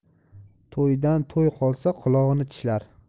toydan toy qolsa qulog'ini tishlar